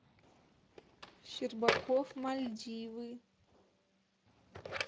щербаков мальдивы